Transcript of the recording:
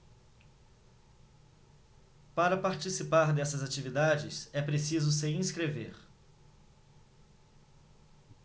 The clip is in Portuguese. para participar dessas atividades é preciso se inscrever